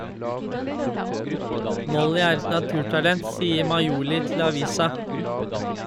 Molly er et naturtalent, sier Maioli til avisa.